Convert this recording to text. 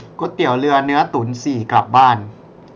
ก๋วยเตี๋ยวเรือเนื้อตุ๋นสี่กลับบ้าน